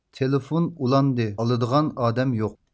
تېلېفون ئۇلاندى ئالىدىغان ئادەم يوق